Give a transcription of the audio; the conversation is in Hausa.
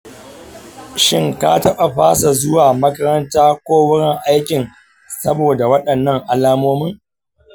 shin ka taɓa fasa zuwa makaranta ko wurin aikin sobada waɗannan alamomin?